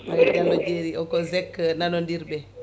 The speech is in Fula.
eyyi Diallo jeeri o ko zeg nanodirɓe